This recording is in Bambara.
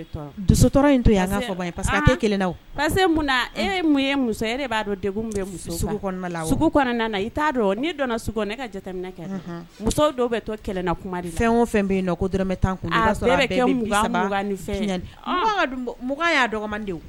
B'a i t'a ka kɛ muso dɔw bɛ to kɛlɛ fɛn bɛ